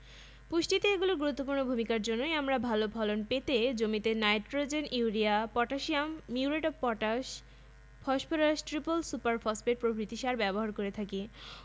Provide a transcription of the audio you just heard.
২ micronutrient বা মাইক্রোউপাদান উদ্ভিদের স্বাভাবিক বৃদ্ধির জন্য যেসব উপাদান অত্যন্ত সামান্য পরিমাণে প্রয়োজন হয় তাদেরকে মাইক্রোনিউট্রিয়েন্ট বা মাইক্রোউপাদান বলে মাইক্রোনিউট্রিয়েন্ট ৬টি যথা দস্তা বা জিংক